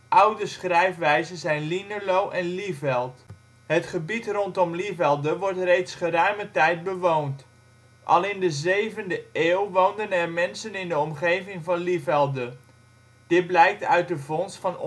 Oude schrijfwijzen zijn: Linelo (1364) en Lieveld (1785). Het gebied rondom Lievelde wordt reeds geruime tijd bewoond. Al in de 7e eeuw woonden er mensen in de omgeving van Lievelde Dit blijkt uit de vondst van